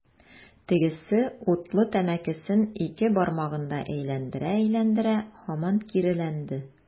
Тегесе, утлы тәмәкесен ике бармагында әйләндерә-әйләндерә, һаман киреләнде.